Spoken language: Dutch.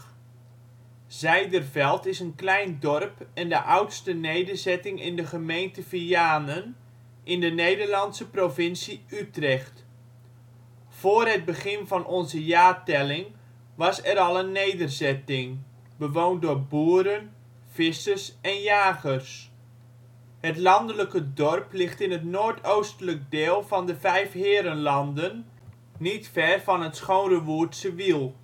Zijderveld is een klein dorp en de oudste nederzetting in de gemeente Vianen in de Nederlandse provincie Utrecht. Voor het begin van onze jaartelling was er al een nederzetting, bewoond door boeren, vissers en jagers. Het landelijke dorp ligt in het noordoostelijk deel van de Vijfheerenlanden, niet ver van het Schoonrewoerdse Wiel